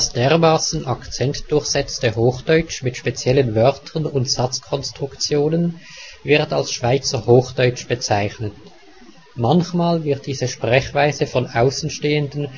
dermaßen akzentdurchsetzte Hochdeutsch mit speziellen Wörtern und Satzkonstruktionen wird als Schweizer Hochdeutsch bezeichnet. Manchmal wird diese Sprechweise von Außenstehenden auch irrtümlich